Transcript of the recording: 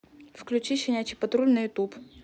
включи щенячий патруль на ютуб